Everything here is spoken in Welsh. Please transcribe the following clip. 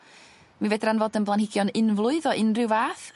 Mi fedran fod yn blanhigion unflwydd o unrhyw fath